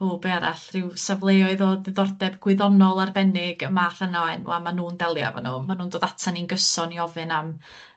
ww be' arall, ryw safleoedd o diddordeb gwyddonol arbennig, y math yna o enwa' ma' nw'n delio efo nw, ma' nw'n dod atan ni'n gyson i ofyn am